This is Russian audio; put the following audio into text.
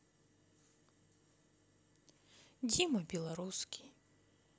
дима белорусский